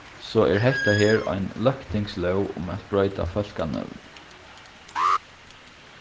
so er hetta her ein løgtingslóg um at broyta fólkanøvn